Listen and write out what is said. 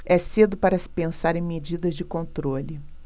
é cedo para se pensar em medidas de controle